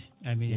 amine